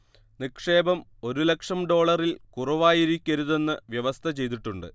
നിക്ഷേപം ഒരു ലക്ഷം ഡോളറിൽ കുറവായിരിക്കരുതെന്ന് വ്യവസ്ഥ ചെയ്തിട്ടുണ്ട്